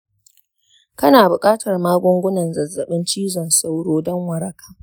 kana buƙatar magungunan zazzabin cizon sauro don waraka